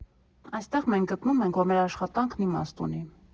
Այստեղ մենք գտնում ենք, որ մեր աշխատանքն իմաստ ունի։